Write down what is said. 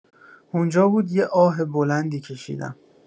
اونجا بود یه آه بلندی کشیدم